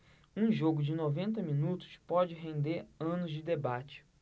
um jogo de noventa minutos pode render anos de debate